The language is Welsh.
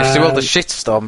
...nes i weld y shit storm